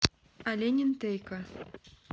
олень интейка